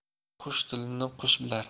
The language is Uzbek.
qush tilini qush bilar